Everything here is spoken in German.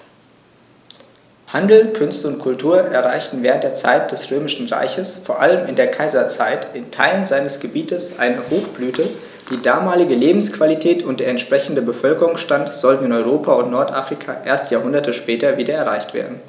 Handel, Künste und Kultur erreichten während der Zeit des Römischen Reiches, vor allem in der Kaiserzeit, in Teilen seines Gebietes eine Hochblüte, die damalige Lebensqualität und der entsprechende Bevölkerungsstand sollten in Europa und Nordafrika erst Jahrhunderte später wieder erreicht werden.